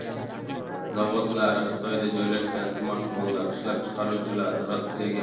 zavodlari xitoyda joylashgan smartfonlar ishlab chiqaruvchilari rossiyaga